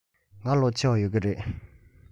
ང ལོ ཆེ བ ཡོད ཀྱི རེད